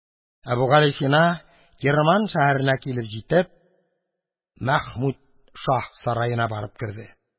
Әбүгалисина, Кирман шәһәренә килеп җитеп, Мәхмүд шаһ сараена барып керде.